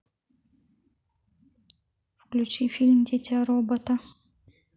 включи фильм дитя робота